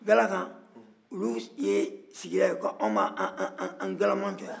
galakan olu sigira yen ko anw b'an galamantɔn yan